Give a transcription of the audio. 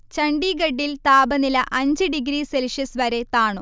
ചണ്ഡീഗഢിൽ താപനില അഞ്ച് degree Celsius വരെ താണു